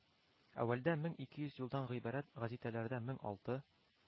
Әүвәлдә мең ике йөз юлдан гыйбарәт гәзитәләрдә мең алты